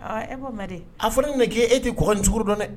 Ɔh, e b'o mɛn de, a fɔla ne ye k'e tɛ kɔgɔ ni sugaro dɔn dɛ.